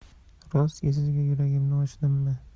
rostki sizga yuragimni ochdimmi